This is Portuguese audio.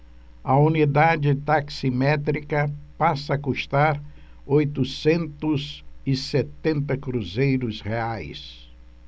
a unidade taximétrica passa a custar oitocentos e setenta cruzeiros reais